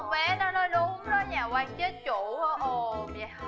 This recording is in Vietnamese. con bé nó nói đúng đớ nhà quan chết chủ ồn dậy